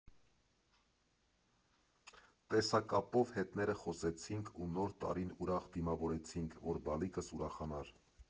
Տեսակապով հետները խոսեցինք ու Նոր տարին ուրախ դիմավորեցինք, որ բալիկս ուրախանար։